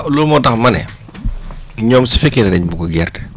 loolu moo tax ma ne énoom su fekkee ne dañ bugg gerte